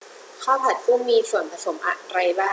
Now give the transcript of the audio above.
ข้าวผัดกุ้งมีส่วนผสมอะไรบ้าง